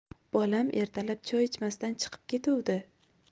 bolam ertalab choy ichmasdan chiqib ketuvdi